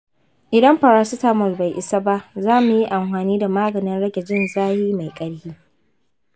idan paracetamol bai isa ba, za mu yi amfani da maganin rage jin zafi mai ƙarfi.